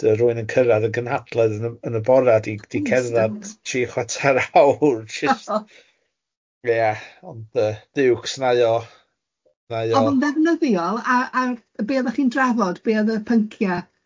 Dodd rywun yn cyrraedd y gynhadledd yn y yn y bora di di cerddad tri chwarter awr jyst ie ond yy duwcs naio naio. Ond oedd o'n ddefnyddiol a a be oeddech chi'n drafod be oed y pyncia?